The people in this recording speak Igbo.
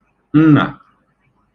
nnà